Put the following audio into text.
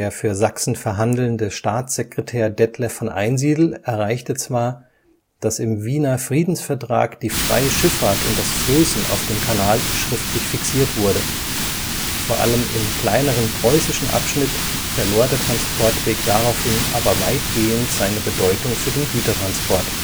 für Sachsen verhandelnde Staatssekretär Detlev von Einsiedel erreichte zwar, dass im Wiener Friedensvertrag die freie Schifffahrt und das Flößen auf dem Kanal schriftlich fixiert wurde, vor allem im kleineren preußischen Abschnitt verlor der Transportweg daraufhin aber weitgehend seine Bedeutung für den Gütertransport